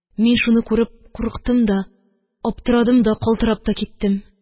Мин шуны күреп курыктым да, аптырадым да, калтырап та киттем.